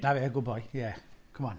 Na fe, good boy ie come on.